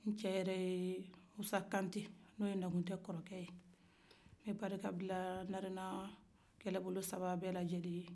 ncɛ yɛrɛ ye musa kante n'o ye nakuntɛ kɔrɔkɛ ye nbɛ barika bila narena kɛlɛbolo saba bɛ la jɛlen ye